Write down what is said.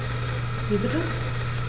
Wie bitte?